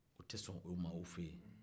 u tɛ sɔn o ma u fɛ yen